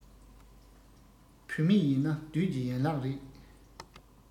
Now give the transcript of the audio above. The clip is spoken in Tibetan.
བུད མེད ཡིན ན བདུད ཀྱི ཡན ལག རེད